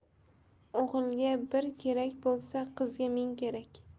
o'g'ilga bir kerak bo'lsa qizga ming kerak